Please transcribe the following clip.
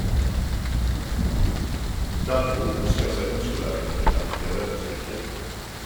Dervo ønsker seg omskolering til et teoretisk yrke.